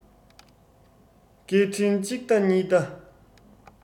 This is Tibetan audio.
སྐད འཕྲིན གཅིག ལྟ གཉིས ལྟ